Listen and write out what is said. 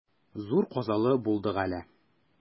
Зур казалы булдык әле.